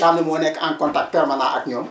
Sall moo nekk en contact permanant ak ñoom